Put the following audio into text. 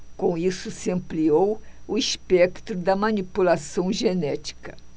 com isso se ampliou o espectro da manipulação genética